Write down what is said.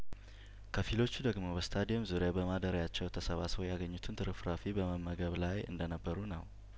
ከፊሎቹ ደግሞ በስታዲየም ዙሪያ በማደሪያቸው ተሰባስበው ያገኙትን ትርፍራፊ በመመገብ ላይ እንደነበሩ ነው